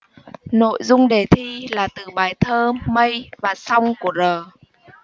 nội dung đề thi là từ bài thơ mây và song của r